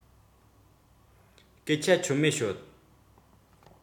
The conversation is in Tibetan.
སྐད ཆ ཆོ མེད ཤོད